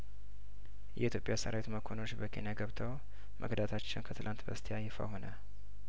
የኢትዮጵያ ሰራዊት መኮንኖች በኬንያ ገብተው መክዳታቸው ከትላንት በስቲያ ይፋ ሆነ